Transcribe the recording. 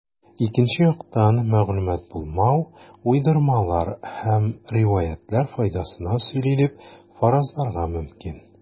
Икенче яктан, мәгълүмат булмау уйдырмалар һәм риваятьләр файдасына сөйли дип фаразларга мөмкин.